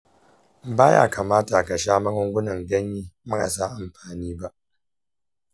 ba ya kamata ka sha magungunan ganye marasa amfani ba.